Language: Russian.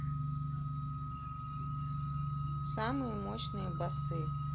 самые мощные басы